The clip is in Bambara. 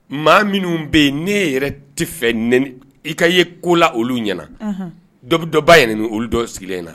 Maa minnu bɛ yen ne yɛrɛ tɛ fɛ i ka e ko la olu ɲɛna dɔ dɔba'aɛlɛn ni olu dɔ sigilen na